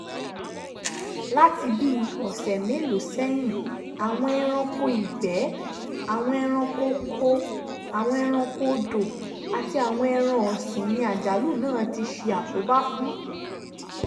Láti bíi ọ̀sẹ̀ mélòó sẹ́yìn, àwọn ẹranko ìgbẹ́, àwọn ẹranko oko, àwọn ẹranko odò àti àwọn ẹran ọ̀sìn ni àjálù náà ti ṣe àkóbá fún.